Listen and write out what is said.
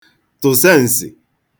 tụ̀ seǹsị̀ [borrowed]